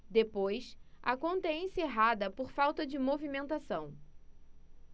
depois a conta é encerrada por falta de movimentação